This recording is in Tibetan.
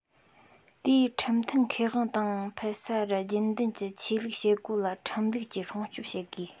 དེའི ཁྲིམས མཐུན ཁེ དབང དང སྤེལ ས རུ རྒྱུན ལྡན གྱི ཆོས ལུགས བྱེད སྒོ ལ ཁྲིམས ལུགས ཀྱིས སྲུང སྐྱོབ བྱེད དགོས